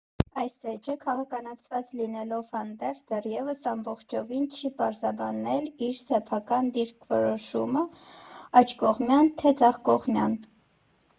Այս էջը քաղաքականացված լինելով հանդերձ՝ դեռևս ամբողջովին չի պարզաբանել իր սեփական դիրքորոշումը՝ աջակողմյան, թե ձախակողմյան։